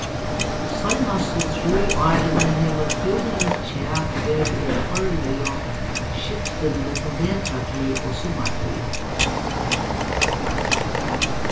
seinastu trý árini hevur dúgligt kjak verið um árligu skiftini ímillum vetrartíð og summartíð